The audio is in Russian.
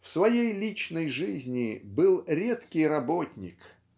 в своей личной жизни был редкий работник.